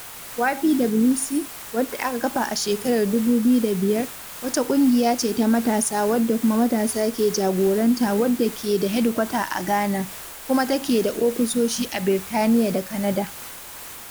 YPWC, wanda aka kafa a shekarar 2005, wata ƙungiya ce ta matasa wadda kuma matasa ke jagoranta wadda ke da hedikwata a Ghana, kuma ta ke da ofisoshi a Birtaniya da Canada.